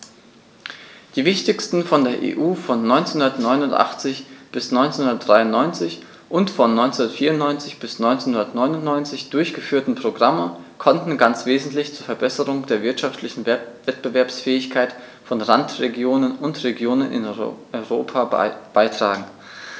Die wichtigsten von der EU von 1989 bis 1993 und von 1994 bis 1999 durchgeführten Programme konnten ganz wesentlich zur Verbesserung der wirtschaftlichen Wettbewerbsfähigkeit von Randregionen und Regionen in Europa beitragen.